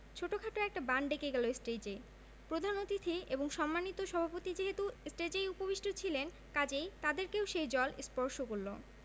ছোটখাট একটা বান ডেকে গেল টেজে প্রধান অতিথি এবং সম্মানিত সভাপতি যেহেতু ষ্টেজেই উপবিষ্ট ছিলেন কাজেই তাদেরকেও সেই জল স্পর্শ করল